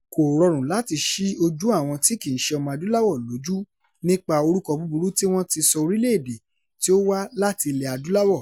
Kò rọrùn láti ṣí ojú àwọn tí kì í ṣe ọmọ-adúláwọ̀ lójú nípa orúkọ búburú tí wọn ti sọ orílẹ̀-èdè tí ó wá láti Ilẹ̀-adúláwọ̀.